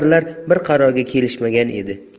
rahbarlar bir qarorga kelishmagan edi